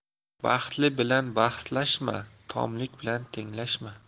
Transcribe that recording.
baxtli bilan bahslashma tomlik bilan tenglashma